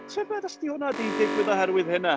Tybed, os di hwnna 'di digwydd oherwydd hynna?